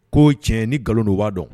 Ko cɛn ni nkalon don u ba dɔn.